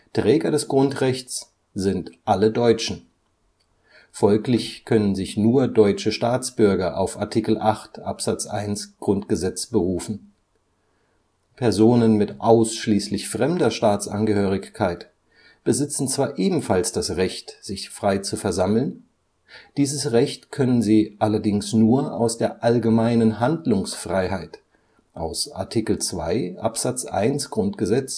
Träger des Grundrechts sind alle Deutschen. Folglich können sich nur deutsche Staatsbürger auf Art. 8 Abs. 1 GG berufen. Personen mit ausschließlich fremder Staatsangehörigkeit besitzen zwar ebenfalls das Recht, sich frei zu versammeln, dieses Recht können sie allerdings nur aus der allgemeinen Handlungsfreiheit aus Art. 2 Abs. 1 GG